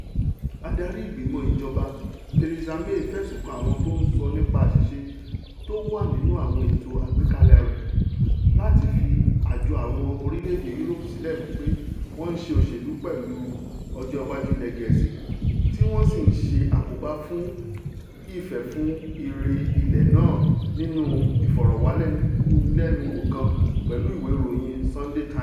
Àdari Ìgbìmọ̀ Ìjọba Theresa May fẹ̀sùn kan àwọn tó ńsọ nípa ȧṣiṣe tówà nínú àwọn ètò àgbékalẹ rẹ̀ láti fi Àjọ Àwọn orílẹ̀-èdè Yúróòpù sílẹ̀ wí pé wọ́n ''ńṣe òṣèlú́'' pẹ̀lú ọjọ́ iwájú ilẹ̀ Gẹ̀ẹ́sì tí wọn sì ńṣe àkóbá fún ìfẹ́-fún-ire ilẹ̀ náà nínú ìfọ̀rọ̀wánilẹ́nuwò kan pẹlu ìwé ìròyìn Sunday Times.